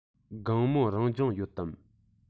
དགོང མོ རང སྦྱོང ཡོད དམ